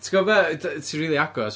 Ti'n gwybod be w- ti'n rili agos.